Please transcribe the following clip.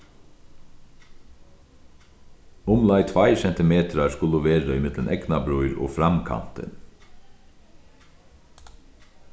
umleið tveir sentimetrar skulu vera millum eygnabrýr og framkantin